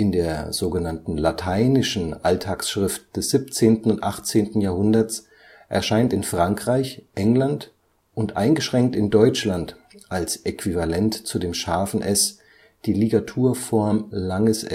der „ lateinischen “Alltagsschrift des 17. und 18. Jahrhunderts erscheint in Frankreich, England und eingeschränkt in Deutschland als Äquivalent zu ß die Ligaturform ſs